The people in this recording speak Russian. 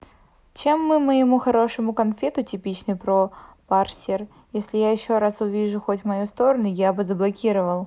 чем мы моему хорошему конфету типичный про парсер если я еще раз я вижу хоть мою сторону я бы заблокировать